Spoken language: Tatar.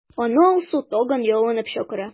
Аны Алсу тагын ялынып чакыра.